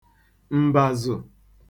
m̀bàzụ̀